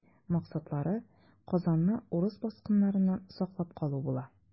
Максатлары Казанны урыс баскыннарыннан саклап калу була.